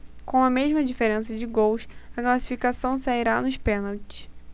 com a mesma diferença de gols a classificação sairá nos pênaltis